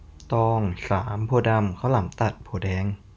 ตองสามโพธิ์ดำข้าวหลามตัดโพธิ์แดง